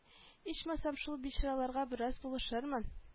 Ичмасам шул бичараларга бераз булышырмын